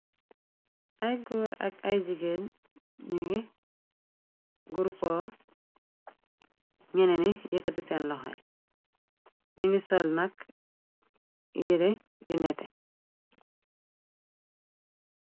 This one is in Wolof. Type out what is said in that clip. Ay góor ak ay jigéen nu ngi gurpo ngené ni yëkkati seen loxey ñu ngi sol nakk yire yu neté.